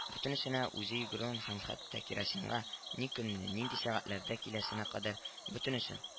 Бөтенесенә үзе йөгерүен һәм хәтта керосинга ни көнне, нинди сәгатьләрдә киләсенә кадәр — бөтенесен